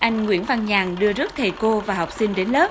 anh nguyễn văn nhàn đưa rước thầy cô và học sinh đến lớp